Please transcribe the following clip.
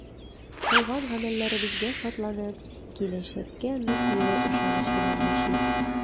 Кылган гамәлләребезгә шатланып, киләчәккә ныклы ышаныч белән яшик!